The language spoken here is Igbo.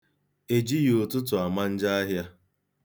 E jighị ụtụtụ ama njọ ahịa.